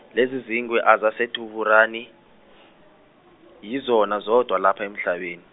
lezizingwe ezaseTuruhani, yizona zodwa lapha emhlabeni.